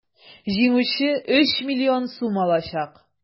Җиңүче 3 млн сум алачак.